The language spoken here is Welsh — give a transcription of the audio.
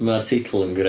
Mae'r teitl yn gre...